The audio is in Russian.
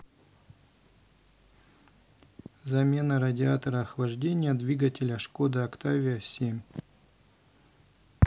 замена радиатора охлаждения двигателя шкода октавиа семь